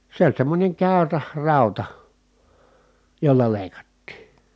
se oli semmoinen käyrä rauta jolla leikattiin